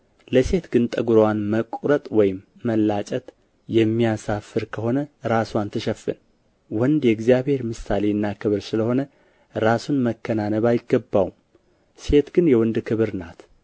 ለሴት ግን ጠጉርዋን መቆረጥ ወይም መላጨት የሚያሳፍር ከሆነ ራስዋን ትሸፍን ወንድ የእግዚአብሔር ምሳሌና ክብር ስለ ሆነ ራሱን መከናነብ አይገባውም ሴት ግን የወንድ ክብር ናት